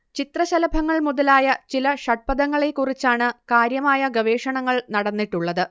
ചിത്രശലഭങ്ങൾ മുതലായ ചില ഷഡ്പദങ്ങളേക്കുറിച്ചാണ് കാര്യമായ ഗവേഷണങ്ങൾ നടന്നിട്ടുള്ളത്